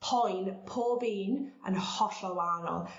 poen pob un yn hollol wahanol